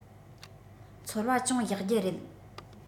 ཚོར བ ཅུང ཡག རྒྱུ རེད